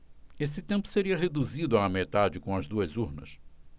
esse tempo seria reduzido à metade com as duas urnas